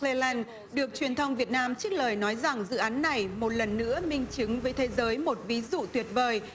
lê lan được truyền thông việt nam trích lời nói rằng dự án này một lần nữa minh chứng với thế giới một ví dụ tuyệt vời